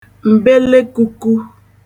m̀belekuku